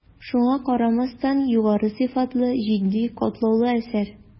Шуңа карамастан, югары сыйфатлы, житди, катлаулы әсәр.